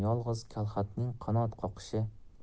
yolg'iz kalxatning qanot qoqishi